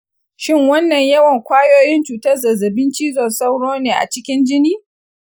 shin wannan yawan kwayoyin cutar zazzabin cizon sauro ne a cikin jini